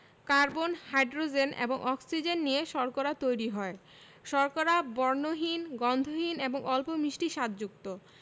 carbon hydrogen এবং oxygen নিয়ে শর্করা তৈরি হয় শর্করা বর্ণহীন গন্ধহীন এবং অল্প মিষ্টি স্বাদযুক্ত